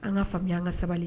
An ŋa faamuya an ŋa sabali